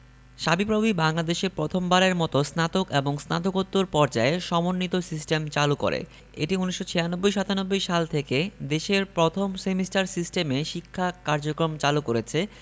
সাবিপ্রবি বাংলাদেশে প্রথম বারের মতো স্নাতক এবং স্নাতকোত্তর পর্যায়ে সমন্বিত সিস্টেম চালু করে এটি ১৯৯৬ ৯৭ সাল থেকে দেশের প্রথম সেমিস্টার সিস্টেমে শিক্ষা কার্যক্রম চালু করেছে